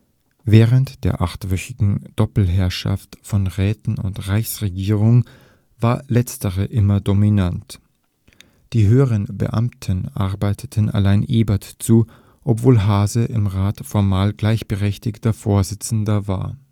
Während der achtwöchigen Doppelherrschaft von Räten und Reichsregierung war letztere immer dominant. Die höheren Beamten arbeiteten allein Ebert zu, obwohl Haase im Rat formal gleichberechtigter Vorsitzender war